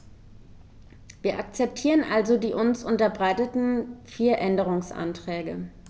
Wir akzeptieren also die uns unterbreiteten vier Änderungsanträge.